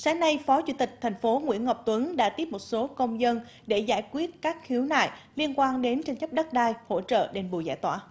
sáng nay phó chủ tịch thành phố nguyễn ngọc tuấn đã tiếp một số công dân để giải quyết các khiếu nại liên quan đến tranh chấp đất đai hỗ trợ đền bù giải tỏa